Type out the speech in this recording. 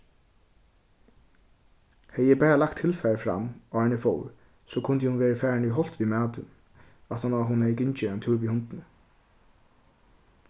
hevði eg bara lagt tilfarið fram áðrenn eg fór so kundi hon verið farin í holt við matin aftan á hon hevði gingið ein túr við hundinum